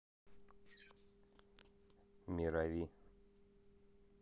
miravi